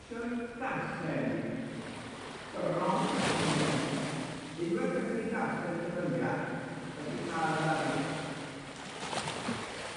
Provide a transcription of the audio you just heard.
isio 'i darllen 'i bron fyswn i'n deud unwaith 'dach chi 'di darllen y dyfyniad 'dach chi 'di ca'l y ddarlith.